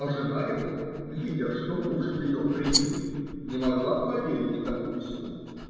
А жена его, видя, что муж ее при ней, не могла поверить тому письму.